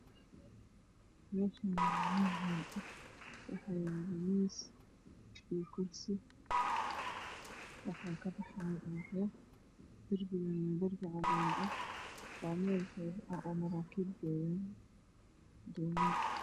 Meshan waa mel hool ah waxayalo miis io kursi waxa kabxayo ubaxyo darbiga waa cadan waa mel xeeb ah oo marakib joogan dooman